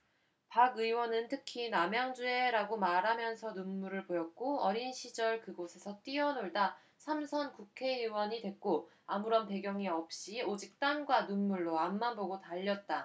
박 의원은 특히 남양주에 라고 말하면서 눈물을 보였고 어린 시절 그곳에서 뛰어놀다 삼 선 국회의원이 됐고 아무런 배경도 없이 오직 땀과 눈물로 앞만 보고 달렸다